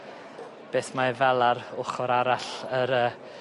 beth mae e fel ar ochor arall yr yy